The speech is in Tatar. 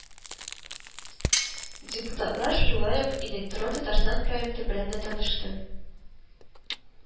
Депутатлар шулай ук “Электрон Татарстан” проекты белән дә танышты